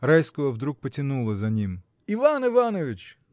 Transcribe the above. Райского вдруг потянуло за ним. — Иван Иванович!